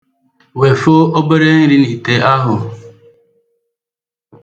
wefọ oberè na-ite ahụ